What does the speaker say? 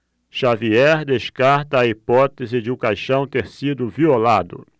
xavier descarta a hipótese de o caixão ter sido violado